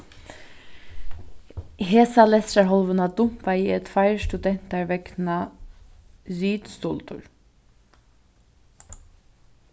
hesa lestrarhálvuna dumpaði eg tveir studentar vegna ritstuldur